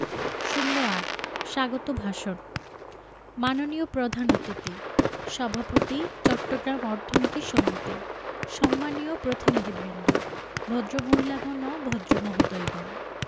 ০৮ স্বাগত ভাষণ মাননীয় প্রধান অতিথি সভাপতি চট্টগ্রাম অর্থনীতি সমিতি সম্মানীয় প্রতিনিধিবৃন্দ ভদ্রমহিলাগণ ও ভদ্রমহোদয়গণ